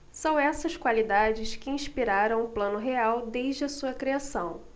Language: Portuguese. são essas qualidades que inspiraram o plano real desde a sua criação